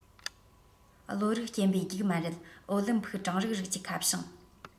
བློ རིག སྐྱེན པོའི རྒྱུགས མ རེད ཨོ ལིམ ཕིག གྲངས རིག རིགས ཀྱི ཁ བྱང